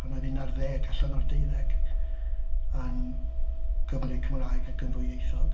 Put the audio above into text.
Pan oedd unarddeg allan o'r deuddeg yn Gymry Cymraeg ac yn ddwyieithog.